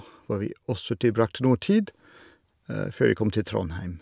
Hvor vi også tilbrakte noe tid, før vi kom til Trondheim.